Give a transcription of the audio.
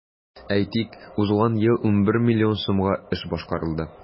Әйтик, узган ел 11 миллион сумга эш башкарылды.